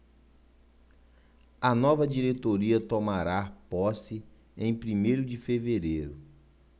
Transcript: a nova diretoria tomará posse em primeiro de fevereiro